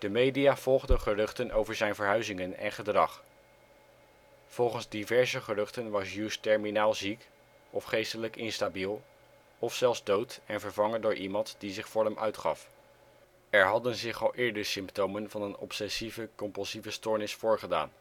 media volgden geruchten over zijn verhuizingen en gedrag. Volgens diverse geruchten was Hughes terminaal ziek, of geestelijk instabiel, of zelfs dood en vervangen door iemand die zich voor hem uitgaf. Er hadden zich al eerder symptomen van een obsessieve-compulsieve stoornis voorgedaan